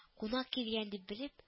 Кунак килгән дип белеп